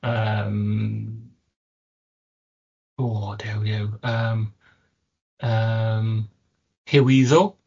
Yym, o Duw Duw, yym yym hywyddo